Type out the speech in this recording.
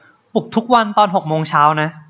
ปลุกทุกวันตอนหกโมงเช้านะ